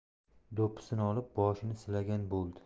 do'ppisini olib boshini silagan bo'ldi